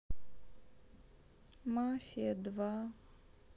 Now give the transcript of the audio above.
мафия два